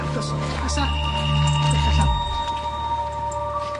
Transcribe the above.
Cyswllt. Cyswllt.